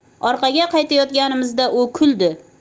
orqaga qaytayotganimizda u kuldi